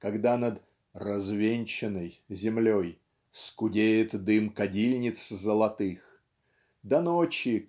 когда над "развенчанной" землей "скудеет дым кадильниц золотых" до ночи